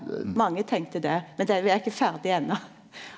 mange tenkte det men det vi er ikkje ferdig ennå.